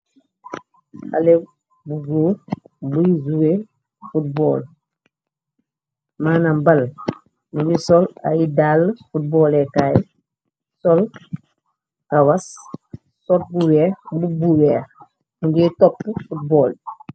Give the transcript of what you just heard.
Hale bu goor buuy zuwe football maanam bal. Mu ngi sol ay dall footballkaay. Sol kawas sot bu weex mbub bu weex munge topp fotbool.